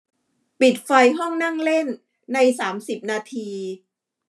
ปิดไฟห้องนั่งเล่นในสามสิบนาที